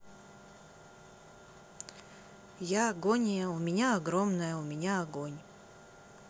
я агония у меня огромная у меня огонь